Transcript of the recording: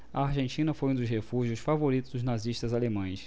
a argentina foi um dos refúgios favoritos dos nazistas alemães